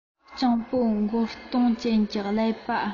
སྤྱང པོ མགོ སྟོང ཅན གྱི ཀླད པ